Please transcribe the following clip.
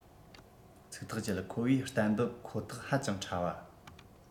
ཚིག ཐག བཅད ཁོ པའི གཏན འབེབས ཁོ ཐག ཧ ཅང ཕྲ བ